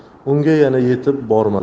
pirpiratdi unga yana yetib bormadi